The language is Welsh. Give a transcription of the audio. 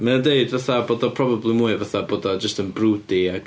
Mae o'n deud fatha bod o probably mwy fatha bod o jyst yn broody ag...